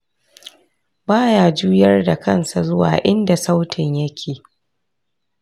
ba ya juyar da kansa zuwa inda sautin yake